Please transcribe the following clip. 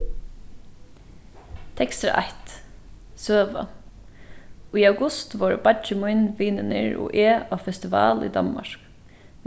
tekstur eitt søga í august vóru beiggi mín vinirnir og eg á festival í danmark